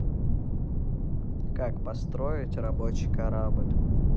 как построить рабочий корабли